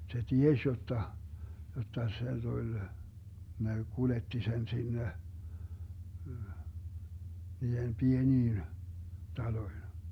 se tiesi jotta jotta se tuli kun ne kuljetti sen sinne niihin pieniin taloihin